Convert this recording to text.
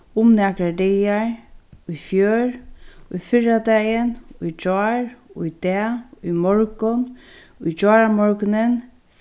um nakrar dagar í fjør í fyrradagin í gjár í dag í morgun í gjáramorgunin